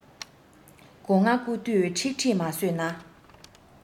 སྒོ ང རྐུ དུས ཁྲིག ཁྲིག མ ཟོས ན